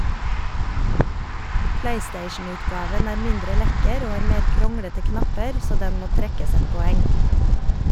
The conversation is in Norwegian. Playstationutgaven er mindre lekker og har mer kronglete knapper, så den må trekkes ett poeng.